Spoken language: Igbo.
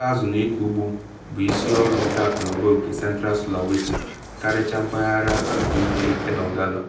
Ịkọ azụ na ịkọ ugbo bụ isi ọrụ nke akụnụba ogige Central Sulawesi, karịchara mpaghara akụkụ mmiri nke Donggala.